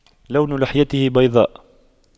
لون لحيته بيضاء